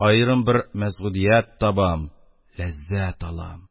Аерым бер мәсгудият табам, ләззәт алам.